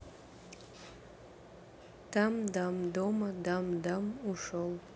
там дам дома дамдам ушел